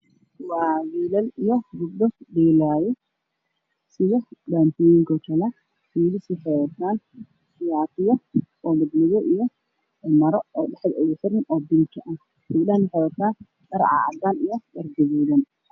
Waa wiilal iyo gabdho dheelaayo oo dhaantaynayo. Wiilasha waxay wataan shaatiyo madow iyo maro dhexda oga xiran. Gabdhaha waxay wataan dhar cadaan ah iyo dhar gaduudan.